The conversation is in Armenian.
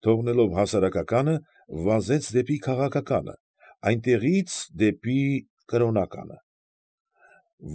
Թողնելով հասարակականը, վազեց դեպի քաղաքականը, այնտեղից դեպի՝ կրոնականը։